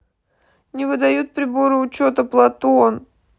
не выдают приборы учета платон